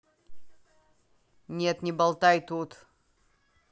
нет не болтай тут